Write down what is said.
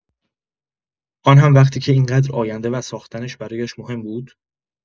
آن هم وقتی که این‌قدر آینده و ساختنش برایش مهم بود؟